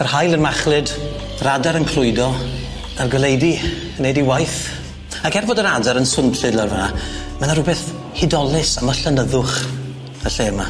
Yr haul yn machlud, yr adar yn clwydo, a'r goleudy yn neud i waith, ac er fod yr adar yn swnllyd lawr fan 'na, ma' 'na rywbeth hudolus am y llenyddwch y lle yma.